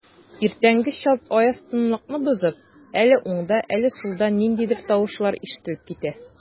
Иртәнге чалт аяз тынлыкны бозып, әле уңда, әле сулда ниндидер тавышлар ишетелеп китә.